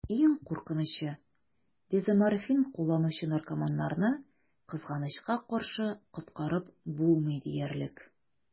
Иң куркынычы: дезоморфин кулланучы наркоманнарны, кызганычка каршы, коткарып булмый диярлек.